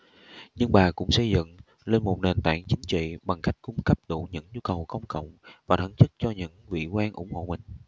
nhưng bà cũng xây dựng lên một nền tảng chính trị bằng cách cung cấp đủ những nhu cầu công cộng và thăng chức cho những vị quan ủng hộ mình